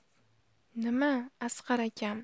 nima asqar akam